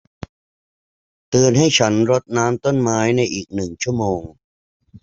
เตือนให้ฉันรดน้ำต้นไม้ในอีกหนึ่งชั่วโมง